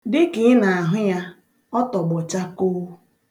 Dịka ị na-ahụ ya, ọ tọgbọ chakoo.